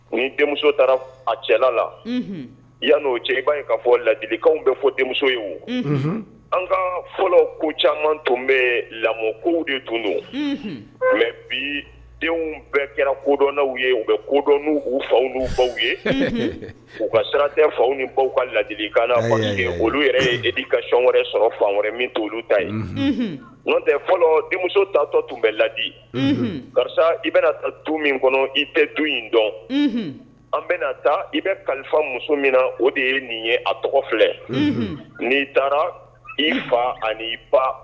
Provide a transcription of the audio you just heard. Ni denmuso taara a cɛla la i yan cɛ in kaa fɔ ladikaw bɛ fɔ denmuso ye wo an ka fɔlɔ ko caman tun bɛ lamɔ kow de tun don nka bi denw bɛɛ kɛra kodɔnw ye u bɛ kodɔn uu fawu baw ye u ka sira tɛ faw ni baw ka la kan fɔ olu yɛrɛ' ka sh wɛrɛ sɔrɔ fan wɛrɛ min to olu ta yen nɔ tɛ fɔlɔ denmuso tatɔ tun bɛ ladi karisa i bɛna taa tu min kɔnɔ i tɛ du in dɔn an bɛna ta i bɛ kalifa muso min na o de ye nin ye a tɔgɔ filɛ n'i taara i fa ani ba